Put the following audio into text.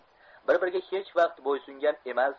bir biriga hech vaqt bo'ysungan emas